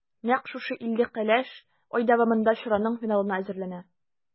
Нәкъ шушы илле кәләш ай дәвамында чараның финалына әзерләнә.